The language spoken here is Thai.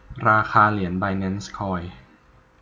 ราคาเหรียญไบแนนซ์คอย